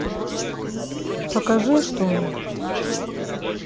покажи что нибудь